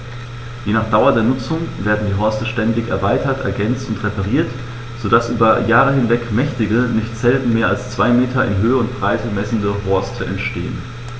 Je nach Dauer der Nutzung werden die Horste ständig erweitert, ergänzt und repariert, so dass über Jahre hinweg mächtige, nicht selten mehr als zwei Meter in Höhe und Breite messende Horste entstehen.